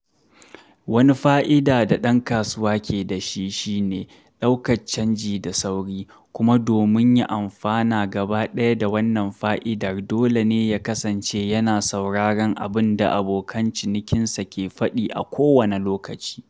Wani fa'ida da ɗan kasuwa ke da shi, shi ne daukar canji da sauri, kuma domin ya amfana gaba ɗaya da wannan fa'idar dole ne ya kasance yana sauraron abin da abokan cinikinsa ke faɗi a kowane lokaci.